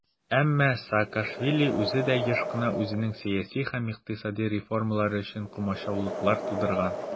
Әмма Саакашвили үзе дә еш кына үзенең сәяси һәм икътисади реформалары өчен комачаулыклар тудырган.